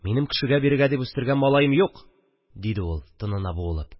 – минем кешегә бирергә дип үстергән малаем юк, – диде ул тынына буылып